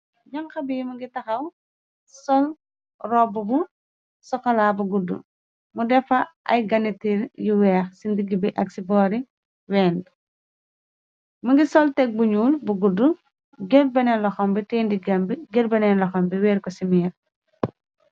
Janxa bi mi ngi taxaw sol robbu bu sokolaa bu guddu, mu defa ay ganitiir yu weex ci ndigg bi, ak ci boori wend bi, mi ngi sol teg bu ñuul bu guddu, gël beneen loxombi tiye ndigam bi, gël beneen loxom bi weer ko ci miir.